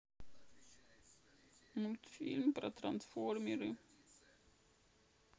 мультфильм про трансформеры